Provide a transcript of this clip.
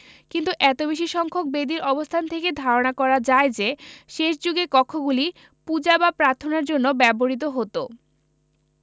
কিন্তু এত বেশি সংখ্যক বেদির অবস্থান থেকে ধারণা করা যায় যে শেষ যুগে কক্ষগুলি পূজা বা প্রার্থনার জন্য ব্যবহৃত হতো